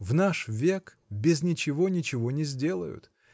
В наш век без ничего ничего и не сделают.